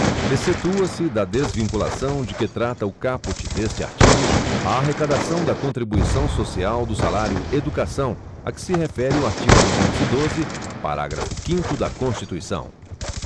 excetua se da desvinculação de que trata o caput deste artigo a arrecadação da contribuição social do salário educação a que se refere o artigo duzentos e doze parágrafo quinto da constituição